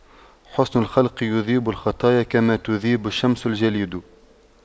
حُسْنُ الخلق يذيب الخطايا كما تذيب الشمس الجليد